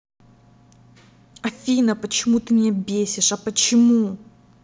афина почему ты меня бесишь а почему